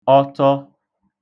ọtọ